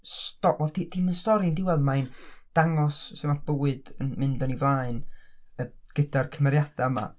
sto- wel 'di 'di'm y stori yn diwedd mae'n dangos sut ma' bywyd yn mynd yn ei flaen yy gyda'r cymeriadau yma.